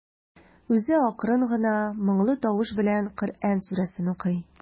Үзе акрын гына, моңлы тавыш белән Коръән сүрәсен укый.